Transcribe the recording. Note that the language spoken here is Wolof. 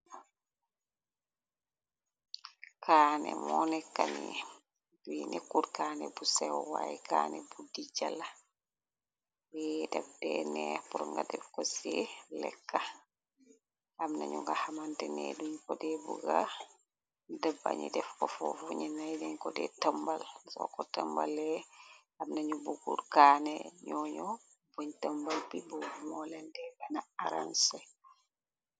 kaane moo nekkane bi nekkuut kaane bu sew waaye kaane bu di jala we debpe neex pr nga def ko ci lekka ab nañu nga xamantenee duñ ko dee bu ga dë bañi def ko fofu ñi naydeñ ko dee tëmbal so ko tëmbale ab nañu buggur kaane ñooñu boñ tëmbal bi bob moo lente bena aranse.